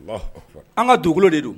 An ka dugukolo de don